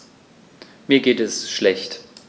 Mir geht es schlecht.